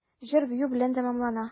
Җыр-бию белән тәмамлана.